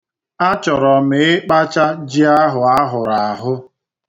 Achọrọ m ịkpacha ji ahụ ahụrụ ahụ.